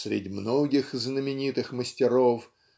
"средь многих знаменитых мастеров"